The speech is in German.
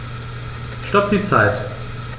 Stopp die Zeit